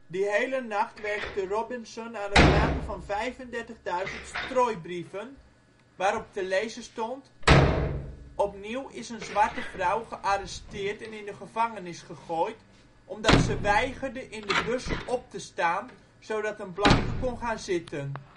Die hele nacht werkte Robinson aan het maken van 35.000 strooibrieven, waarop te lezen stond: Opnieuw is een zwarte vrouw gearresteerd en in de gevangenis gegooid omdat ze weigerde in de bus op te staan zodat een blanke kon gaan zitten